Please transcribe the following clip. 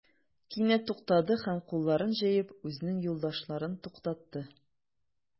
Кинәт туктады һәм, кулларын җәеп, үзенең юлдашларын туктатты.